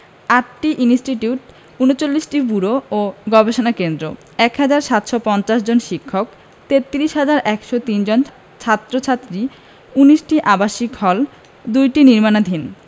৮টি ইনস্টিটিউট ৩৯টি ব্যুরো ও গবেষণা কেন্দ্র ১ হাজার ৭৫০ জন শিক্ষক ৩৩ হাজার ১০৩ জন ছাত্র ছাত্রী ১৯টি আবাসিক হল ২টি নির্মাণাধীন